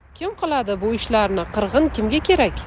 kim qiladi bu ishlarni qirg'in kimga kerak